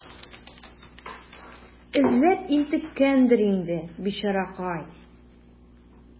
Эзләп интеккәндер инде, бичаракай.